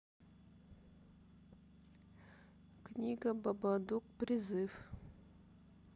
книга бабадук призыв